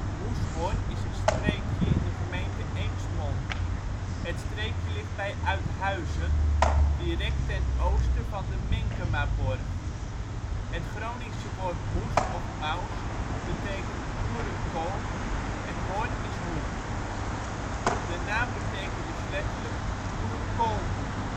Moushörn) is een streekje in de gemeente Eemsmond. Het streekje ligt bij Uithuizen, direct ten oosten van de Menkemaborg. Het Groningse woord moes of mous betekent boerenkool en horn is hoek. De naam betekent dus letterlijk: boerenkoolhoek